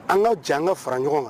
An ka jɛ an ka fara ɲɔgɔn kan.